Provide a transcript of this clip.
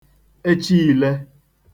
echiīlē